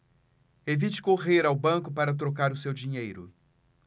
evite correr ao banco para trocar o seu dinheiro